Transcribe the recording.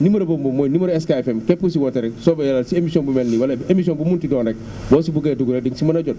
numéro boobu moom mooy numéro SK FM képp ku si woote rek bu soobee yàlla si émission bu mel nii wala émission bu mu munti doon rek boo si bëggee dugg rek di nga si mën a jot